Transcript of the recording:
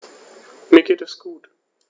Mir geht es gut.